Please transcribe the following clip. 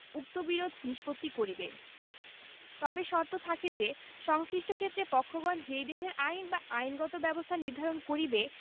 উক্ত বিরোধ নিষ্পত্তি করিবে তবে শর্ত থাকে যে সংশ্লিষ্ট ক্ষেত্রে পক্ষগণ যেই দেশের আইন বা আইনগত ব্যবস্থা নির্ধারণ করিবে